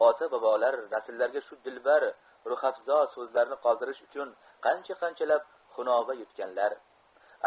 ota bobolar nasllarga shu dilbar ruhafzo so'zlarni qoldirish uchun qancha qanchalab xunoba yutganlar